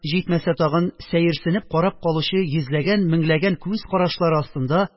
Җитмәсә тагын, сәерсенеп карап калучы йөзләгән-меңләгән күз карашлары астында